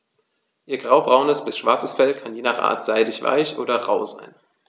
Ihr graubraunes bis schwarzes Fell kann je nach Art seidig-weich oder rau sein.